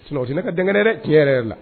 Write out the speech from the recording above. Ɔti ne ka dangɛrɛ yɛrɛ tiɲɛ yɛrɛ la